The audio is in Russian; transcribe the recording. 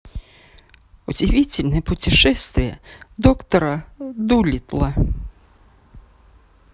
удивительное путешествие доктора дулитла